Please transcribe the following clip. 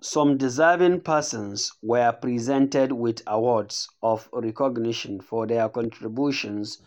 Some deserving persons were presented with awards of recognition for their contributions